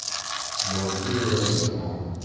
блокируй розетку